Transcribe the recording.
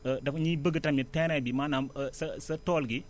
dafa ñuy bëgg tamit terrain bi maanaam sa sa sa tool gi